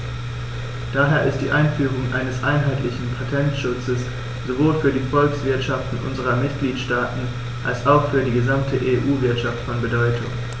Daher ist die Einführung eines einheitlichen Patentschutzes sowohl für die Volkswirtschaften unserer Mitgliedstaaten als auch für die gesamte EU-Wirtschaft von Bedeutung.